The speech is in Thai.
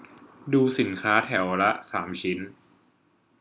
ดูสินค้าแถวละสามชิ้น